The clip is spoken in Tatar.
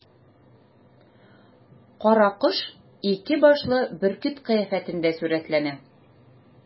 Каракош ике башлы бөркет кыяфәтендә сурәтләнә.